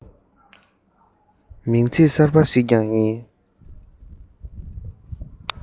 མིང ཚིག གསར པ ཞིག ཀྱང ཡིན